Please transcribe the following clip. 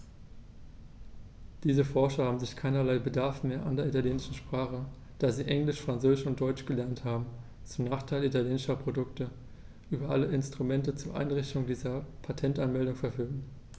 Diese Forscher haben sicher keinerlei Bedarf mehr an der italienischen Sprache, da sie Englisch, Französisch und Deutsch gelernt haben und, zum Nachteil italienischer Produkte, über alle Instrumente zur Einreichung dieser Patentanmeldungen verfügen.